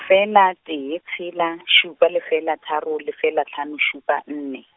fela tee tshela šupa lefela tharo lefela hlano šupa nne.